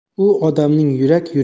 u odamning yurak